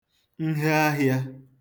nhe ahịā